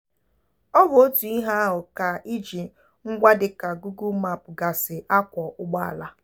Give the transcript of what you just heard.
Ọ bụ otu ihe ahụ ka ịji ngwa dịka Google Map gasị akwọ ụgbọala.